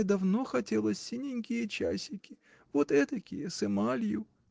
мне давно хотелось синенькие часики — вот этакие, с эмалью!.